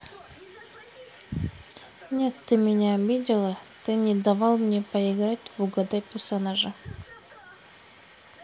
нет ты меня обидела ты не давал мне поиграть в угадай персонажа